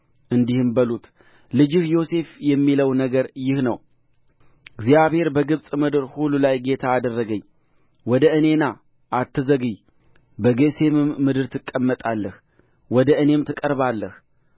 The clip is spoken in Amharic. እንዲህም በሉት ልጅህ ዮሴፍ የሚለው ነገር ይህ ነው እግዚአብሔር በግብፅ ምድር ሁሉ ላይ ጌታ አደረገኝ ወደ እኔ ና አትዘግይ በጌሤምም ምድር ትቀመጣለህ ወደ እኔም ትቀርባለህ